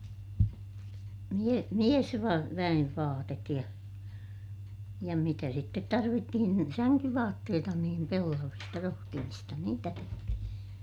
-- miesväen vaatetta ja ja mitä sitten tarvittiin niin sänkyvaatteita niin pellavista rohtimista niitä tehtiin